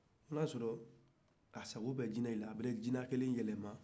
o y'a sɔrɔ a sago bɛ jinɛw na